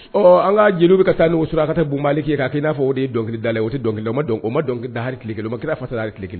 Ɔ an ka jeliw bɛ ka taa ni o sur a ka taa bba' kɛ k'a'i'a fɔ o ye dɔnkiliki da la o se dɔnkilikilo ma o ma dɔnkili da ha kikelen ma kira fa ki kelen